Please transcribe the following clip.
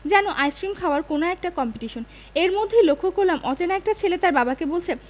যেন আইসক্রিম খাওয়ার কোন একটা কম্পিটিশন এর মধ্যেই লক্ষ্য করলাম অচেনা একটা ছেলে তার বাবাকে বলছে